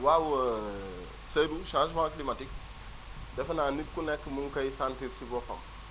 waaw Seydou changement climatique defe naa nit ku nekk mu ngi koy sentir si boppam